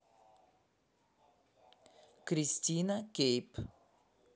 кристина кейп